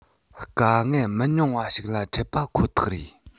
དཀའ ངལ མི ཉུང བ ཞིག ལ འཕྲད པ ཁོ ཐག རེད